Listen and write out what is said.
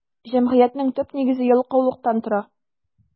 Җәмгыятьнең төп нигезе ялкаулыктан тора.